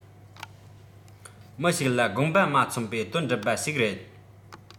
མི ཞིག ལ དགོངས པ མ ཚོམ པའི དོན བསྒྲུབ པ ཞིག རེད